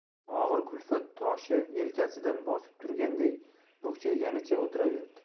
og'ir kulfat toshi yelkasidan bosib turganday bukchayganicha o'tiraverdi